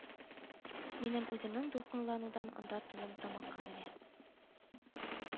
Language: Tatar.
Минем үземнең дулкынланудан анда тыным тамакка менә